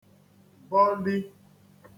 -bọli